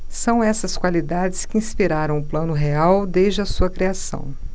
são essas qualidades que inspiraram o plano real desde a sua criação